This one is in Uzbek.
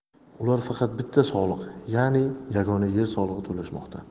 ular faqat bitta soliq ya'ni yagona yer solig'ini to'lashmoqda